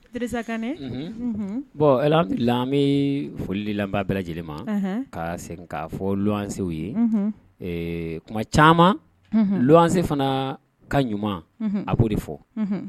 Dirisa Kane Bon Alhamdulilayi, an bɛ foli di lamɛnbaa bɛ lajɛlen ma, ka segin ka fɔ luwansew ye, unhun, tuma caman, unhun, luwanse fana ka ɲuman, a b'o de fɔ